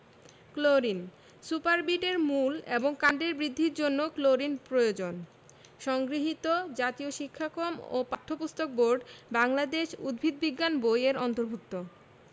chlorine superbeet এর মূল এবং কাণ্ডের বৃদ্ধির জন্য ক্লোরিন প্রয়োজন সংগৃহীত জাতীয় শিক্ষাক্রম ও পাঠ্যপুস্তক বোর্ড বাংলাদেশ উদ্ভিদ বিজ্ঞান বই এর অন্তর্ভুক্ত